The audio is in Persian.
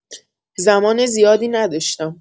زمان زیادی نداشتم.